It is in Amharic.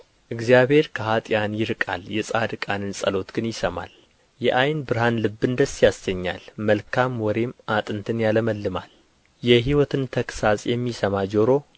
እግዚአብሔር ከኅጥኣን ይርቃል የጻድቃንን ጸሎት ግን ይሰማል የዓይን ብርሃን ልብን ደስ ያሰኛል መልካም ወሬም አጥንትን ያለመልማል የሕይወትን ተግሣጽ የሚሰማ ጆሮ